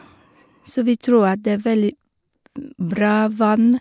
Så vi tror at det er veldig f bra vane.